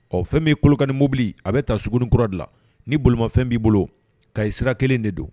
Ɔ fɛn bɛ ye kolokani mobili a bɛ taa surununi kura dilan ni bolomafɛn b'i bolo k ka i sira kelen de don